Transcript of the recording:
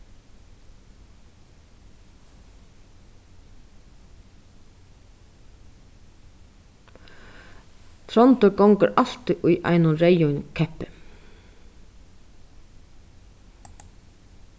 tróndur gongur altíð í einum reyðum keppi